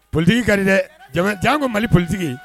Politigi ka dɛ jaa ka mali politigi